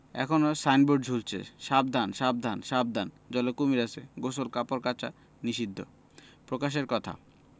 এখনো সাইনবোর্ড ঝুলছে সাবধান সাবধান সাবধান জলে কুমীর আছে গোসল কাপড় কাচা নিষিদ্ধ প্রকাশকের কথা